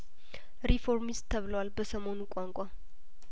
ሪፎር ሚስት ተብለዋል በሰሞኑ ቋንቋ